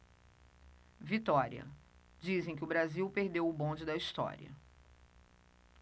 vitória dizem que o brasil perdeu o bonde da história